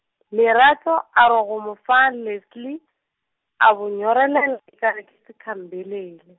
Lerato a re go mo fa Leslie, a bo nyorel- , e kgare ke sekhampelele.